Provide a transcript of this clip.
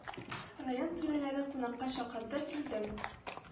Район түрәләре кунакка чакырды килдем